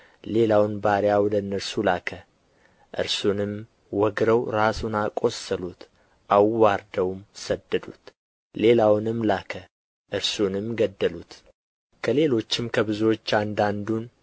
ሌላውን ባሪያ ወደ እነርሱ ላከ እርሱንም ወግረው ራሱን አቈሰሉት አዋርደውም ሰደዱት ሌላውንም ላከ እርሱንም ገደሉት ከሌሎችም ከብዙዎች አንዳንዱን